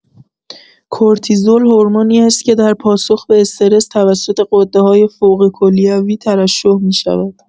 کورتیزول هورمونی است که در پاسخ به استرس توسط غده‌های فوق کلیوی ترشح می‌شود.